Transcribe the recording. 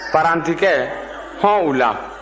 parantikɛ hɔn o la